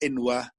enwa